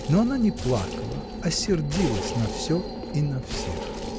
Но она не плакала, а сердилась на все и на всех.